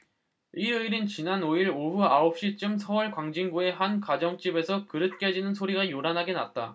일요일인 지난 오 일 오후 아홉 시쯤 서울 광진구의 한 가정집에서 그릇 깨지는 소리가 요란하게 났다